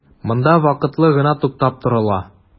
Монда вакытлы гына туктап торыла.